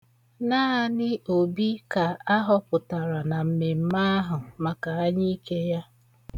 Naanị Obi ka a họpụtara na mmemme ahụ maka anyiike ya.